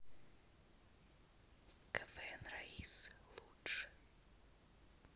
квн раисы лучшее